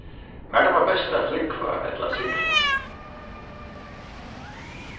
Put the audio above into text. mær dámar best at flúgva ella at sigla